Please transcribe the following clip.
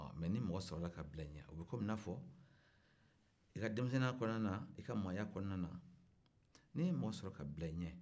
mɛ nin mɔgɔ sɔrɔla ka bila i ɲɛ o bɛ kɔm'inafɔ a ka denmisɛnya kɔnɔnana i ka maaya kɔnɔnana n'i mɔgɔ sɔrɔ ka bila i ɲɛ